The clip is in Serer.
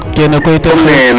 kene koy ten